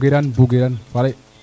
bugiran bugiran